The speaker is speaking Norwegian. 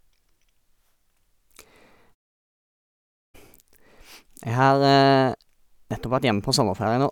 Jeg har nettopp vært hjemme på sommerferie nå.